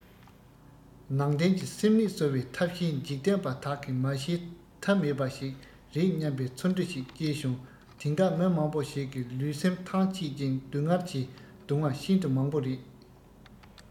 ནང བསྟན གྱི སེམས ནད གསོ བའི ཐབས ཤེས འཇིག རྟེན པ དག གིས མ ཤེས ཐབས མེད པ ཞིག རེད སྙམ པའི ཚོར འདུ ཞིག སྐྱེས བྱུང དེང སྐབས མི མང པོ ཞིག གི ལུས སེམས ཐང ཆད ཅིང སྡུག བསྔལ གྱིས གདུང བ ཤིན ཏུ མང པོ རེད